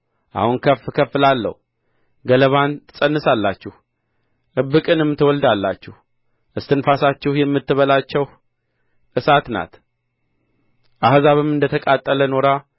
አሁን ከፍ ከፍ እላለሁ ገለባን ትፀንሳላችሁ እብቅንም ትወልዳላችሁ እስትንፋሳችሁ የምትበላችሁ እሳት ናት አሕዛብም እንደ ተቃጠለ ኖራ